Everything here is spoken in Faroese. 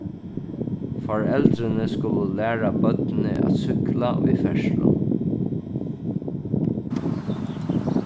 foreldrini skulu læra børnini at súkkla í ferðslu